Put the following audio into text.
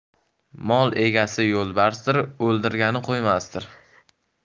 mol egasi yo'lbarsdir oldirgani qo'ymasdir